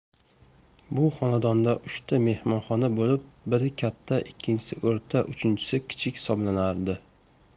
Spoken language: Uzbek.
bu xonadonda uchta mehmonxona bo'lib biri katta ikkinchisi o'rta uchinchisi kichik hisoblanardi